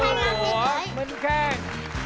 của minh khang